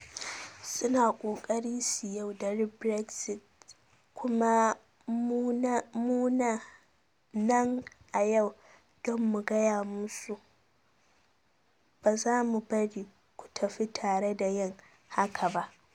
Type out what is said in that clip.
Suna ƙoƙari su yaudari Brexit kuma mu na nan a yau don mu gaya musu' ba za mu bari ku tafi tare da yin haka ba '.